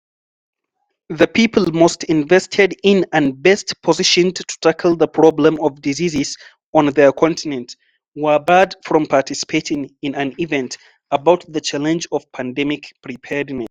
The people most invested in and best-positioned to tackle the problem of diseases on their continent, were barred from participating in an event about “the challenge of pandemic preparedness.”